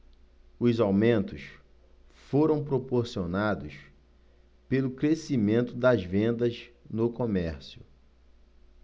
os aumentos foram proporcionados pelo crescimento das vendas no comércio